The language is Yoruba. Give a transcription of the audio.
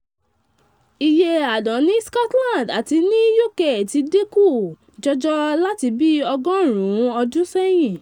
Iye àdán ní Scotland àti ní Uk ti dínkù jọjọ láti bí ọgọ́rùn ún ọdún ṣẹ́yìn.